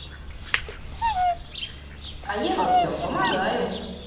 а я во всем помогаю